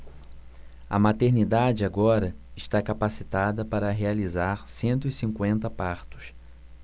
a maternidade agora está capacitada para realizar cento e cinquenta partos